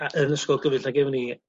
a yn Ysgol Gyfun Llangefni